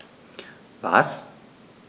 Was?